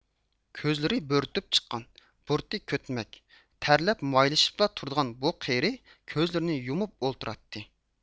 كۆزلىرى بۆرتۈپ چىققان بۇرۇتى كۆتمەك تەرلەپ مايلىشىپلا تۇرىدىغان بۇ قېرى كۆزلىرىنى يۇمۇپ ئولتۇراتتى